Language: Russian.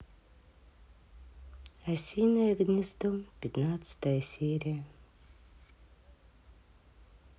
осиное гнездо пятнадцатая серия